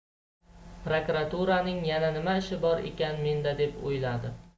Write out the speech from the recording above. prokuraturaning yana nima ishi bor ekan menda deb o'yladi